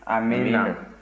amiina